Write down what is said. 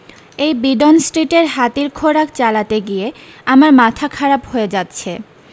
এই বিডন স্ট্রীটের হাতির খোরাক চালাতে গিয়ে আমার মাথা খারাপ হয়ে যাচ্ছে